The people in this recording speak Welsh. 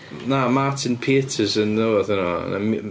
Na, Martin Peterson neu rywbath odd enw fo.